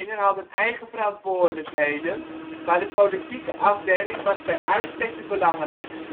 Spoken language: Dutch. hadden eigen verantwoordelijkheden, maar de politieke afdeling was bij uitstek de belangrijkste